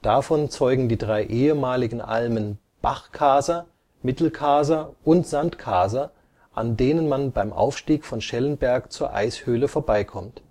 Davon zeugen die drei ehemaligen Almen Bachkaser, Mitterkaser und Sandkaser, an denen man beim Aufstieg von Schellenberg zur Eishöhle vorbeikommt